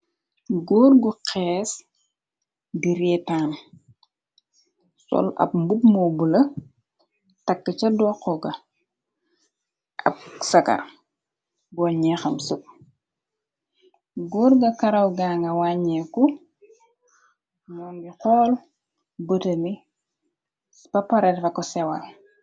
Góor gu xees di reetaan, sol ab mbub mu bula, takk ca doxoga ab sagar, boñ ñeexam seb, góor ga kawar gaanga wàññeeku, moo ngi xool bëtam yi bapare dako sewal.